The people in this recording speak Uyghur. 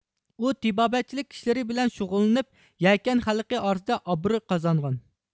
ئۇ تېبابەتچىلىك ئىشلىرى بىلەن شۇغۇللىنىپ يەكەن خەلقى ئارىسىدا ئابروي قازانغان